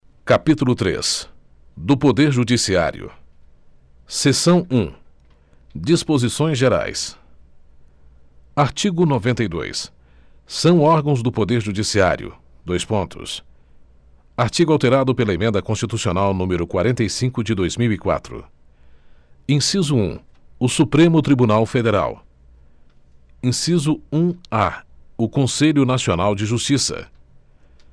capítulo três do poder judiciário seção um disposições gerais artigo noventa e dois são órgãos do poder judiciário dois pontos artigo alterado pela pela emenda constitucional número quarenta e cinco de dois mil e quatro inciso um o supremo tribunal federal inciso um a o conselho nacional de justiça